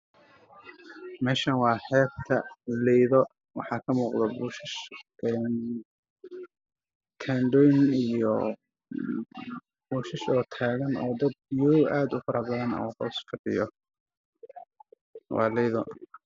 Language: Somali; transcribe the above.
Meeshan waa meel xeebad ah waxaa joogay dadka badan waxaa uga dhisan teendhooyin dad ayaa jiro